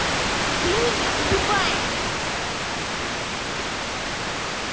ты меня убиваешь